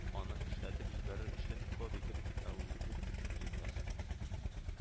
Аны эшләтеп җибәрер өчен код итеп "әүдек"сүзен яз